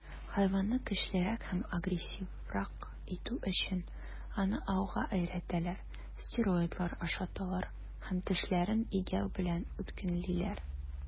Хайванны көчлерәк һәм агрессиврак итү өчен, аны ауга өйрәтәләр, стероидлар ашаталар һәм тешләрен игәү белән үткенлиләр.